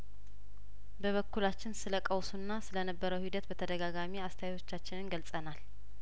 በበኩላችን ስለቀውሱና ስለነበረው ሂደት በተደጋጋሚ አስተያየቶቻችንን ገልጸናል